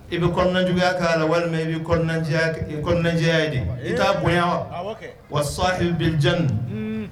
I bɛ kɔnɔna juguya k'a la walima i bɛ kɔnɔna jɛya k i bɛ kɔnɔna jɛya ye. Ee! I t'a bonya wa? Awɔ kɛ. wasɔ ibiljan .